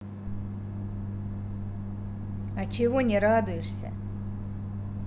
а чего не радуешься